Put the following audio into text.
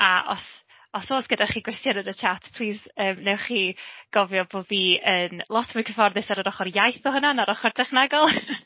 A os os oes gyda chi gwestiwn yn y chat, plis yym wnewch chi gofio bod fi yn lot mwy cyfforddus ar yr ochr iaith o hynna, na'r ochr dechnegol .